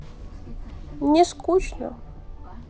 нескучно